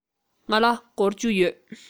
ང ལ སྒོར བཅུ ཡོད